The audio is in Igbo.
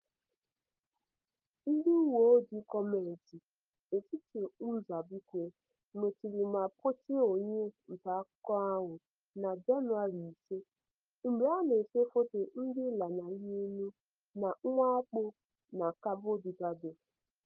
Ndị uweojii gọọmentị etiti Mozambique nwụchiri ma kpochie onye ntaakụkọ ahụ na Jenụwarị 5, mgbe ọ na-ese foto ndị lanarịrịnụ na mwakpo na Cabo Delgado.